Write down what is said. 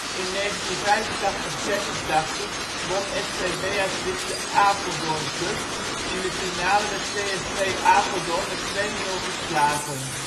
In 1985/86 won SV Beatrix de Apeldoorn cup, in de finale werd CSV Apeldoorn met 2-0 verslagen